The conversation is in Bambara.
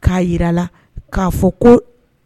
K'a jira a la k'a fɔ ko